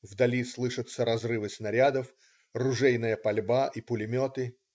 Вдали слышатся разрывы снарядов, ружейная пальба и пулеметы.